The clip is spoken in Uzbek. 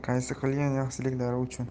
qaysi qilgan yaxshiliklari uchun